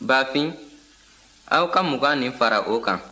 bafin aw ka mugan nin fara o kan